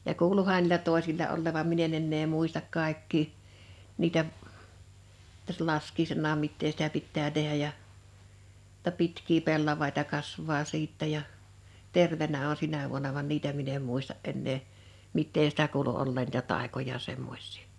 ja kuuluuhan niillä toisilla olleen vaan minä en enää muista kaikkia niitä tässä laskiaisenakaan mitä sitä pitää tehdä ja jotta pitkiä pellavia kasvaa sitten ja terveenä on sinä vuonna vaan niitä minä en muista enää mitä sitä kuului olleen niitä taikoja semmoisia